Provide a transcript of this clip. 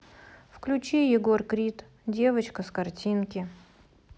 включи егор крид девочка с картинки